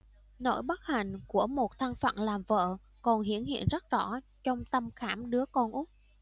nỗi bất hạnh của một thân phận làm vợ còn hiển hiện rất rõ trong tâm khảm đứa con út